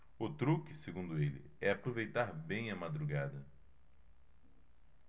o truque segundo ele é aproveitar bem a madrugada